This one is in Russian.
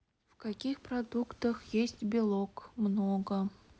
в каких продуктах есть белок много